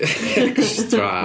Extra.